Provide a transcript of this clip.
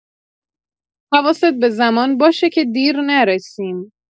حواست به زمان باشه که دیر نرسیم